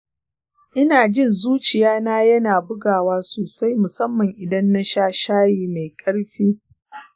ina jin zuciya na yana bugawa sosai musamman idan na sha shayi mai ƙarfi